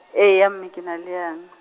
eya mme ke na le yena.